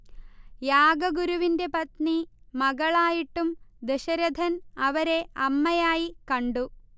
യാഗ ഗുരുവിന്റെ പത്നി മകളായിട്ടും ദശരഥൻ അവരെ അമ്മയായി കണ്ടു